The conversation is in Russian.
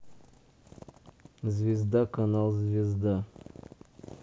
звезда канал звезда